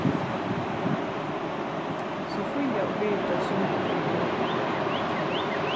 sofía og birita sungu fyri kórinum